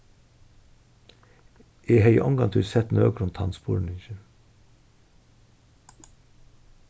eg hevði ongantíð sett nøkrum tann spurningin